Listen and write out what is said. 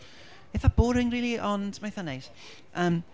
eitha boring really ond mae'n eitha neis. Yym...